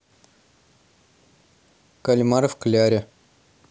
кальмар в кляре